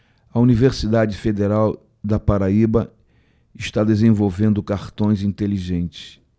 a universidade federal da paraíba está desenvolvendo cartões inteligentes